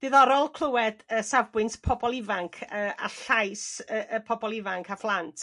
Diddorol clywed yy safbwynt pobol ifanc yy a llais y y pobol ifanc a phlant